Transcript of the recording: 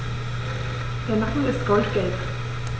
Der Nacken ist goldgelb.